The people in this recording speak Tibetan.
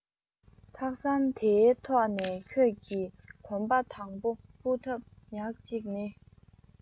ཐག ཟམ དེའི ཐོག ནས ཁྱོད ཀྱི གོམ པ དང པོ སྤོ ཐབས ཉག གཅིག ནི